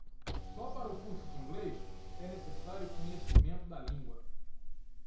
só para o curso de inglês é necessário conhecimento da língua